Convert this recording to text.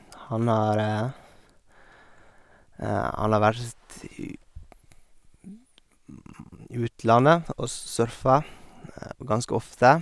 han har Han har vært i utlandet og surfa ganske ofte.